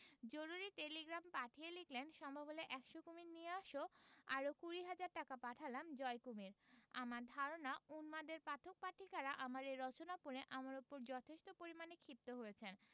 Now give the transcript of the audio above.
জরুরী টেলিগ্রাম পাঠিয়ে লিখলেন সম্ভব হলে একশ কুমীর নিয়ে এসো আরো কুড়ি হাজার টাকা পাঠালাম জয় কুমীর আমার ধারণা উন্মাদের পাঠক পাঠিকার আমার এই রচনা পড়ে আমার উপর যথেষ্ট পরিমাণে ক্ষিপ্ত হয়েছেন